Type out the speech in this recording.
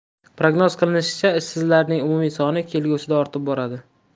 prognoz qilinishicha ishsizlarning umumiy soni kelgusida ortib boradi